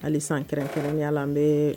Hali san kɛrɛn kelenrɛnya an bɛ